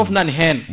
foof nani hen